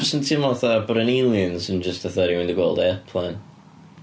Jyst yn teimlo fatha, bo'r un aliens yn jyst fatha rywun 'di gweld airplane.